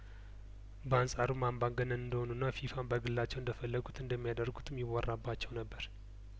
በአንጻሩም አምባገነን እንደሆኑና ፊፋን በግላቸው እንደፈለጉት እንደሚያደርጉትም ይወራባቸው ነበር